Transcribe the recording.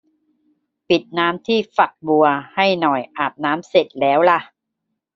ปิดน้ำที่ฝักบัวให้หน่อยอาบน้ำเสร็จแล้วล่ะ